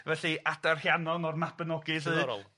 felly adar Rhiannon o'r Mabinogi 'lly. Diddorol.